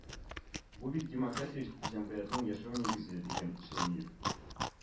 Бу бит демократик җәмгыятьнең яшәү нигезе, дигән Шәймиев